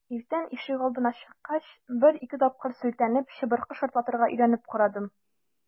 Иртән ишегалдына чыккач, бер-ике тапкыр селтәнеп, чыбыркы шартлатырга өйрәнеп карадым.